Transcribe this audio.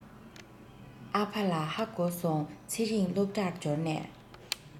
ཨ ཕ ལ ཧ གོ སོང ཚེ རིང སློབ གྲྭར འབྱོར ནས